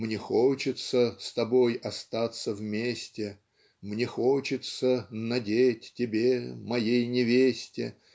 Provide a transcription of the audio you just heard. мне хочется с тобой остаться вместе. мне хочется надеть тебе моей невесте